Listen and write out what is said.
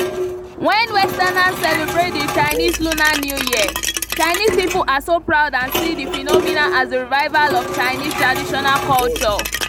When Westerners celebrate the Chinese Lunar New Year, Chinese people are so proud and see the phenomena as the revival of Chinese traditional culture...